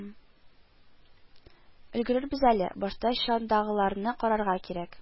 Өлгерербез әле, башта чандагыларны карарга кирәк